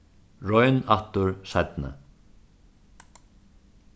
royn aftur seinni